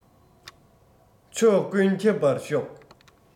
ཕྱོགས ཀུན ཁྱབ པར ཤོག